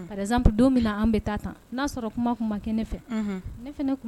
Araz don min an bɛ taa n'a sɔrɔ kuma kɛ ne